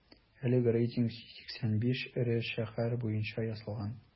Әлеге рейтинг 85 эре шәһәр буенча ясалган.